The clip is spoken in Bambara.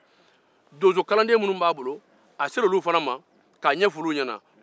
donsokalanden minnu b'a bolo a sera olu fana ma k'a ɲɛfɔ olu ɲɛ na